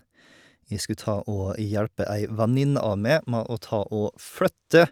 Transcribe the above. Jeg skulle ta og hjelpe ei venninne av meg med å ta og flytte.